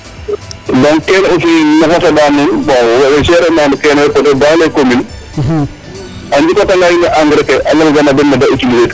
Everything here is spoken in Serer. Donc kene aussi maxey xeɗa nuun bon we gérer na kene peut etre dans les commune a njikwatanga in na engrais ke a lalgan a den ne ta utiliser tel